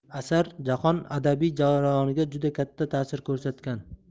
asar jahon adabiy jarayoniga juda katta tasir ko'rsatgan